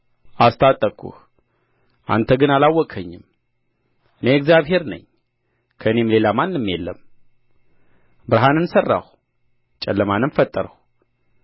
አስታጠቅሁህ አንተ ግን አላወቅኸኝም እኔ እግዚአብሔር ነኝ ከእኔም ሌላ ማንም የለም ብርሃንን ሠራሁ ጨለማውንም ፈጠርሁ